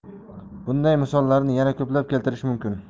bunday misollarni yana ko'plab keltirish mumkin